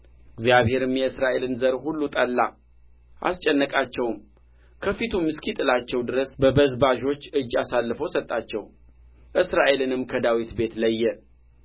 እግዚአብሔርም የእስራኤልን ዘር ሁሉ ጠላ አስጨነቃቸውም ከፊቱም እስኪጥላቸው ድረስ በበዝባዦች እጅ አሳልፎ ሰጣቸው እስራኤልንም ከዳዊት ቤት ለየ